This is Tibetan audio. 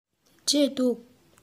འབྲས འདུག